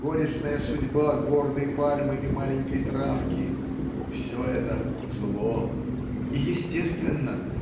горестная судьба гордой пальмы и маленькой травки все это - зло. И естественно